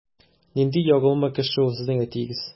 Нинди ягымлы кеше ул сезнең әтиегез!